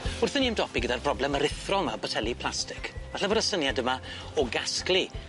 Wrth i ni ymdopi gyda'r broblem aruthrol 'ma o boteli plastic falle bod y syniad yma o gasglu